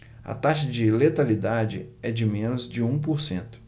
a taxa de letalidade é de menos de um por cento